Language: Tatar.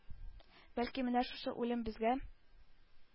Бәлки, менә шушы үлем безгә